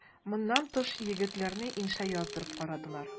Моннан тыш егетләрне инша яздырып карадылар.